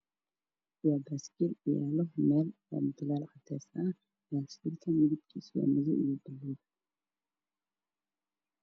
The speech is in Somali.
Waa baaskiil yaalo meel oo mutuleel ah baaskiilka midabkiisu waa madow io baluug